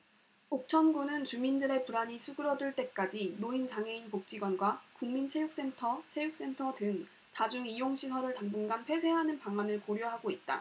옥천군은 주민들의 불안이 수그러들 때까지 노인장애인복지관과 국민체육센터 체육센터 등 다중 이용시설을 당분간 폐쇄하는 방안을 고려하고 있다